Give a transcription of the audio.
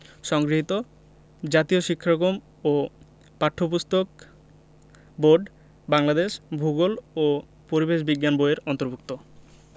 সংগৃহীত জাতীয় শিক্ষাক্রম ও পাঠ্যপুস্তক বোর্ড বাংলাদেশ ভূগোল ও পরিবেশ বিজ্ঞান বই এর অন্তর্ভুক্ত